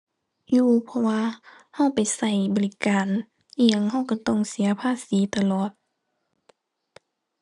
อยู่ เพราะว่าเราไปเราบริการอิหยังเราเราต้องเสียภาษีตลอด